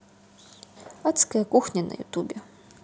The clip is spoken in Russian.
адская кухня на ютубе